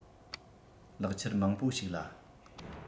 ལེགས ཆར མང པོ ཞིག ལ